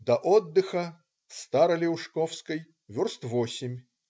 До отдыха - Старо-Леушковской - верст восемь.